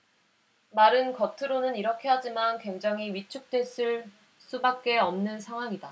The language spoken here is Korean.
말은 겉으로는 이렇게 하지만 굉장히 위축됐을 수밖에 없는 상황이다